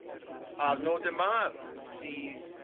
Arnaud Démare sydd